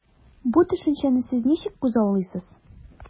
Бу төшенчәне сез ничек күзаллыйсыз?